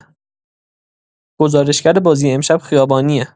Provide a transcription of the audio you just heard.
گزارشگر بازی امشب خیابانیه